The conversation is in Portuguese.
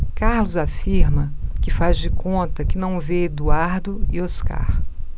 carlos afirma que faz de conta que não vê eduardo e oscar